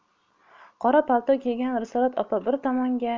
qora palto kiygan risolat opa bir tomonga